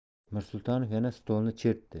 mirsultonov yana stolni chertdi